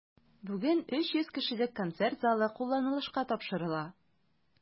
Бүген 300 кешелек концерт залы кулланылышка тапшырыла.